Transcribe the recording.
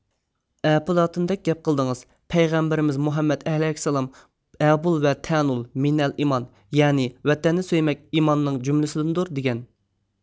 ئەپلاتوندەك گەپ قىلدىڭىز پەيغەمبىرىمىز مۇھەممەت ئەلەيھىسسالام ھۇببۇل ۋە تەنۇل مىنەل ئىمان يەنى ۋەتەننى سۆيمەك ئىمماننىڭ جۈملىسىدىندۇر دېگەن